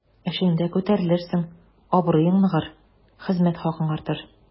Эшеңдә күтәрелерсең, абруең ныгыр, хезмәт хакың артыр.